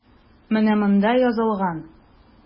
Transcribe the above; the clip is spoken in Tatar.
Менә монда язылган.